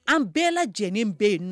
An bɛɛ la lajɛlen bɛ yen